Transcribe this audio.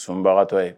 Sunbagatɔ ye